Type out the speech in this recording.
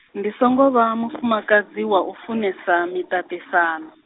ndi songo vha, mufumakadzi wa u funesa miṱaṱisano.